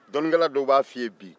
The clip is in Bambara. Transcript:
dɔnnikɛla dɔw b'a f'i ye bi